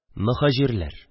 Мөһаҗирләр